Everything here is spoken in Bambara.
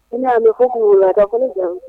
Ne mɛn ko ka ko jan